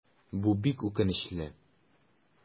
Бу бик үкенечле.